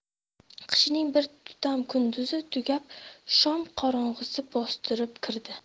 qishning bir tutam kunduzi tugab shom qorong'isi bostirib kirdi